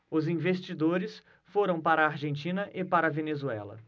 os investidores foram para a argentina e para a venezuela